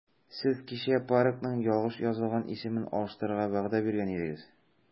Сез кичә паркның ялгыш язылган исемен алыштырырга вәгъдә биргән идегез.